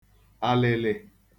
àlị̀lị̀